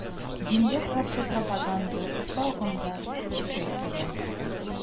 Дингә каршы пропаганда тагын да көчәйтелә